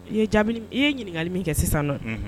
I ye i ye ɲininkakali min kɛ sisan na